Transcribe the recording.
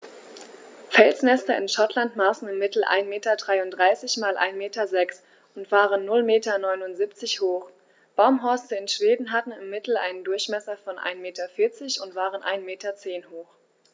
Felsnester in Schottland maßen im Mittel 1,33 m x 1,06 m und waren 0,79 m hoch, Baumhorste in Schweden hatten im Mittel einen Durchmesser von 1,4 m und waren 1,1 m hoch.